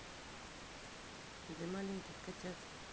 для маленьких котят